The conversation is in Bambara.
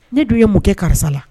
Ne dun ye mun kɛ karisa la